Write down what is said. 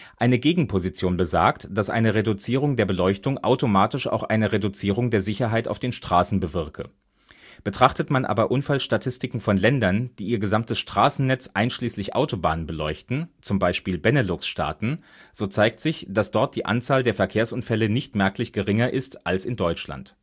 Eine Gegenposition besagt, dass eine Reduzierung der Beleuchtung automatisch auch eine Reduzierung der Sicherheit auf den Straßen bewirke. (Betrachtet man aber Unfallstatistiken von Ländern, die ihr gesamtes Straßennetz einschließlich Autobahnen beleuchten (z. B. Benelux-Staaten), so zeigt sich, dass dort die Anzahl der Verkehrsunfälle nicht merklich geringer ist als in Deutschland